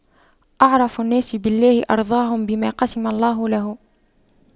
أعرف الناس بالله أرضاهم بما قسم الله له